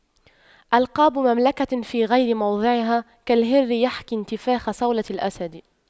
ألقاب مملكة في غير موضعها كالهر يحكي انتفاخا صولة الأسد